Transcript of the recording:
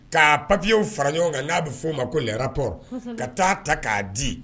K'a papiyew fara ɲɔgɔn kan n'a bɛ f' oo ma ko laratɔ ka taa'a ta k'a di